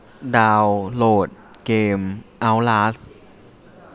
ดาวโหลดเกมเอ้าลาส